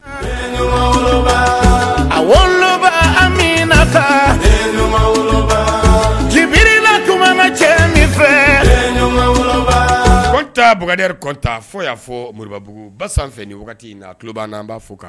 Woloba min saba jigiina tuma ma cɛ min fɛba kotan bokarida kuntan fɔ y'a fɔbabugu ba san ni wagati na a tuloba n' an b'a fo kan